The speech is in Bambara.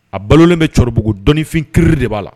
A balolen bɛ cɛkɔrɔbabuguugu dɔnniifin kiiriri de b'a la